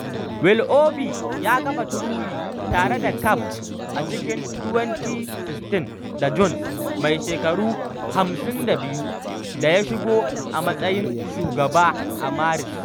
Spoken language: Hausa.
Willoughby ya kafa Truly tare da Capp a cikin 2016 da Jones, mai shekaru 52, da ya shigo a matsayin shugaba a Maris.